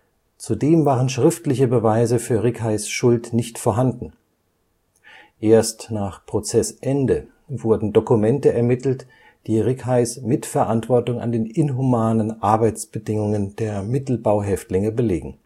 Zudem waren schriftliche Beweise für Rickheys Schuld nicht vorhanden; erst nach Prozessende wurden Dokumente ermittelt, die Rickheys Mitverantwortung an den inhumanen Arbeitsbedingungen der Mittelbau-Häftlinge belegen